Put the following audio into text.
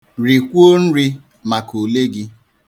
Rikwuo nri, maka ule gị.